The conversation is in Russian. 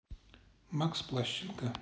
макс плащенко